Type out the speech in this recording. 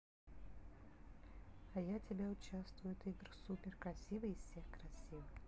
а я тебя участвуют итр супер красивый из всех красивых